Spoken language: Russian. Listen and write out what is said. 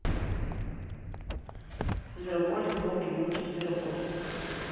зверополис долгий мультик зверополис